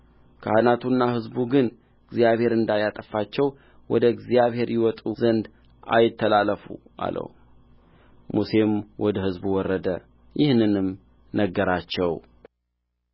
ካህናቱና ሕዝቡ ግን እግዚአብሔር እንዳያጠፋቸው ወደ እግዚአብሔር ይወጡ ዘንድ አይተላለፉ አለው ሙሴም ወደ ሕዝቡ ወረደ ይህንንም ነገራቸው